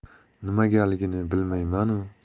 nimagaligini bilmaymanu